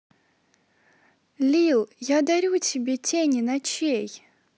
lil я дарю тебе тени ночей